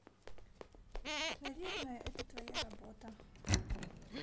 наверное это твоя работа